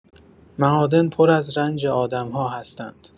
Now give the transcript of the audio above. معادن پر از رنج آدم‌ها هستند.